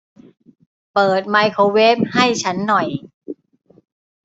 เปิดไมโครเวฟให้ฉันหน่อย